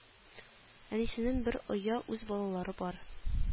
Әнисенең бер оя үз балалары бар